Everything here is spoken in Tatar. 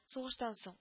Сугыштан сон